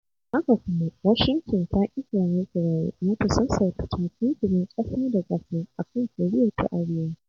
Haka kuma Washington ta ƙi kiraye-kiraye na ta sassauta takunkumin ƙasa-da-ƙasa a kan Koriya ta Arewa.